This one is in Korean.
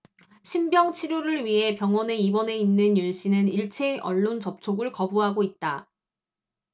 신병 치료를 위해 병원에 입원해 있는 윤씨는 일체의 언론 접촉을 거부하고 있다